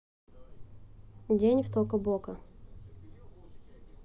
день в toca boca